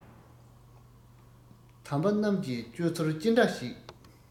དམ པ རྣམས ཀྱི སྤྱོད ཚུལ ཅི འདྲ ཞིག